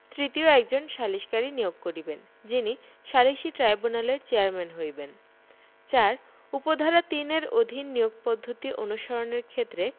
তৃতীয় একজন সালিসকারী নিয়োগ করিবেন যিনি সালিসী ট্রাইব্যুনালের চেয়ারম্যান হইবেন ৪ উপ ধারা ৩ এর অধীন নিয়োগ পদ্ধতি অনুসারণের ক্ষেত্রে